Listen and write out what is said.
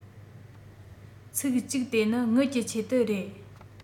ཚིག གཅིག དེ ནི དངུལ གྱི ཆེད དུ རེད